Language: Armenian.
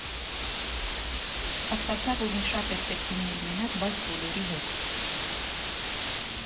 Հասկացա, որ ինձ շատ էր պետք լինել մենակ, բայց բոլորի հետ։